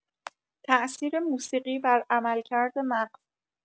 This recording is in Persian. تاثیر موسیقی بر عملکرد مغز